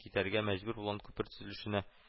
Китәргә мәҗбүр булган күпер төзелешенә